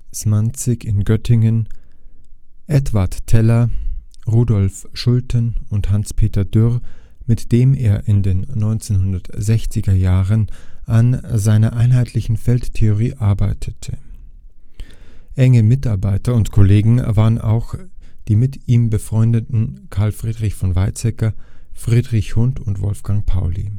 Symanzik (in Göttingen), Edward Teller, Rudolf Schulten und Hans-Peter Dürr, mit dem er in den 1960er Jahren an seiner Einheitlichen Feldtheorie arbeitete. Enge Mitarbeiter und Kollegen waren auch die mit ihm befreundeten Carl Friedrich von Weizsäcker, Friedrich Hund und Wolfgang Pauli